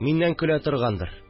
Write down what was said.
Миннән көлә торгандыр